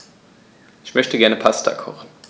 Ich möchte gerne Pasta kochen.